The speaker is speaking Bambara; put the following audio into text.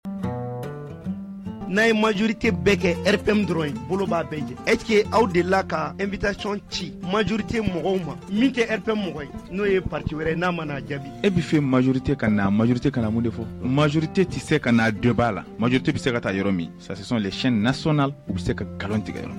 N'a ye majorite bɛ kɛ p min dɔrɔn in bolo b bɛɛ eti aw de la ka e bɛc ci majri tɛ mɔgɔw ma min tɛ p mɔgɔ ye n'o ye pati wɛrɛ ye n'a mana jaabi e bɛ fɛ majrite ka na majurute kana mun de fɔ majurute tɛ se ka na dɔ b'a la maj bɛ se ka taa yɔrɔ min sasic na sɔn u bɛ se ka nkalon tigɛ yɔrɔ